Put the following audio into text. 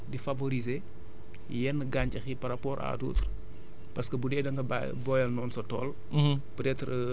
dafay intervenir di favoriser yenn gàncax yi par rapport à d' autres parce que bu dee da nga ba booyal noonu sa tool